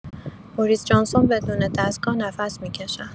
بوریس جانسون بدون دستگاه نفس می‌کشد.